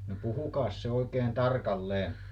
no puhukaas se oikein tarkalleen